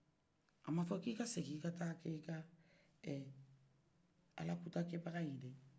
a ma fɔ k'i segin i ka taa k'i ka ala kota bagaye dɛ